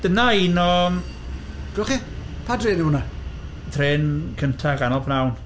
Dyna un o... Glywch chi e... Pa drên yw hwnna?... Trên cynta ganol pnawn.